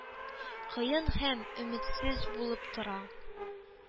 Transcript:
Кыен һәм өметсез булып тора.